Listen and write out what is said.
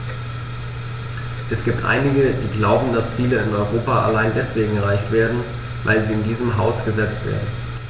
Es gibt einige, die glauben, dass Ziele in Europa allein deswegen erreicht werden, weil sie in diesem Haus gesetzt werden.